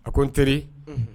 A ko n teri. Unhun!